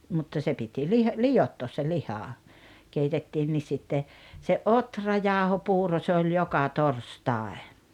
mutta se piti - liottaa se liha keitettiin sitten se ohrajauhopuuro se oli joka torstai